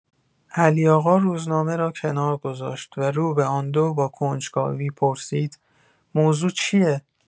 علی‌آقا، روزنامه را کنار گذاشت و رو به آن دو با کنجکاوی پرسید: موضوع چیه؟